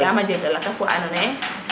yaam a jega lakas wa ando naye